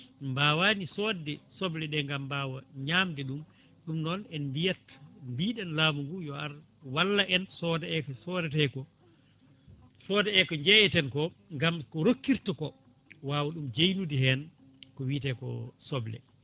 mbawani sodde sobleɗe gam mbawa ñamde ɗum ɗum noon en mbiyat mbiɗen laamu ngu yo ar walla en sooda eko sodate ko sooda eko jeeyaten ko gam ko rokkirta ko wawa ɗum jeynude hen ko witeko soble